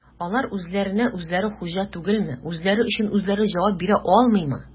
Алар үзләренә-үзләре хуҗа түгелме, үзләре өчен үзләре җавап бирә алмыймы?